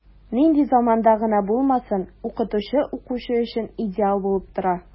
Нинди заманда гына булмасын, укытучы укучы өчен идеал булып тора.